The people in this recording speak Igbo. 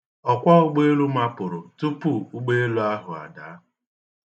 Ọkwọụgbọelu mapụrụ tupu ugbeelu ahụ adaa.